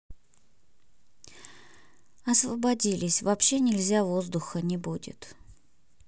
освободились вообще нельзя воздуха не будет